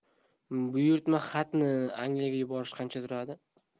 buyurtma xatni angliyaga yuborish qancha turadi